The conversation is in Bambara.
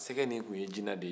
sɛgɛ nin tun ye jinɛ de ye